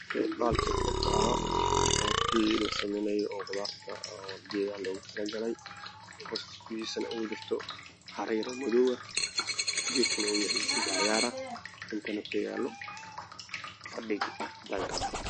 Geed cagaar meel cadaan fadhi ku yaalo